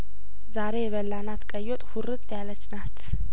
ዛሬ የበላናት ቀይወጥ ሁርጥ ያለችናት